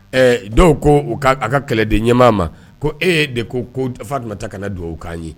Ɛɛ dɔw ko u ka, a ka kɛlɛden ɲɛmaa ma. Ko e de ko ko Tafa ka na ka na duwawu kan ye.